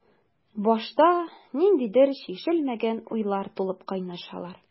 Башта ниндидер чишелмәгән уйлар тулып кайнашалар.